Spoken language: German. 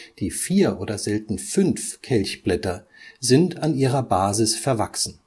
Die 4 oder selten 5 Kelchblätter sind an ihrer Basis verwachsen